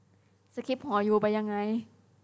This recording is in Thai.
สคิปหอยูไปยังไง